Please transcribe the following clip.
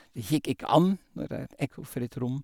Det gikk ikke an når det er et ekkofritt rom.